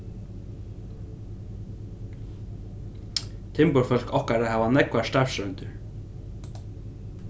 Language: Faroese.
timburfólk okkara hava nógvar starvsroyndir